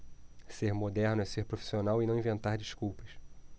ser moderno é ser profissional e não inventar desculpas